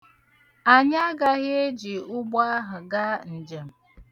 Anyị agaghi eji ụgbọ ahụ ga njem.